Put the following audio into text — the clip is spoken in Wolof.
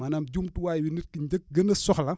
maanaam jumtuwaay wi nit ki njëk gën a soxla